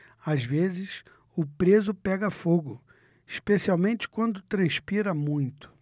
às vezes o preso pega fogo especialmente quando transpira muito